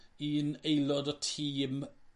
un aelod o tîm